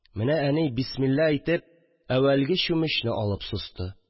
Менә әни бисмилла әйтеп әүвәлге чүмечне алып состы